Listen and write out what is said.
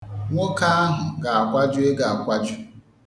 Nwoke ahụ ga-akwaju ego akwaju.